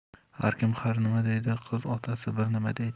har kim har nima deydi qiz otasi bir nima deydi